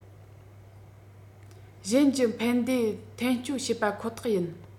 གཞན གྱི ཕན བདེ འཐེན སྤྱོད བྱེད པ ཁོ ཐག ཡིན